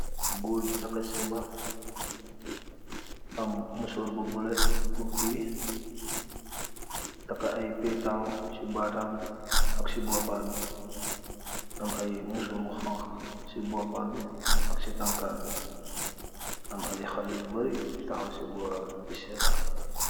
Gorr ju tahkah zimba, am musorr bu bleu bum tiyeh, tahkah aiiy pehhtaw chi baatam ak ci bopam bi, am aiiy musorr bu honha ci bopam bi ak ci tankam bi, am aiiy haleh yu bari yu takhaw ci bohram di setan.